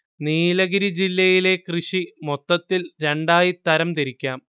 നീലഗിരി ജില്ലയിലെ കൃഷി മൊത്തത്തിൽ രണ്ടായി തരം തിരിക്കാം